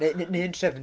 Neu neu neu yn trefnu.